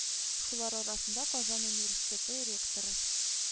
Шулар арасында казан университеты ректоры